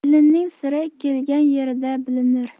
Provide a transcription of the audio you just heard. kelinning siri kelgan yerida bilinar